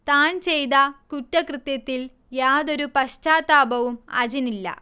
താൻ ചെയ്ത കുറ്റകൃത്യത്തിൽ യാതൊരു പശ്ചാത്താപവും അജിനില്ല